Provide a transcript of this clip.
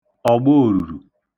ọ̀gboòrùrù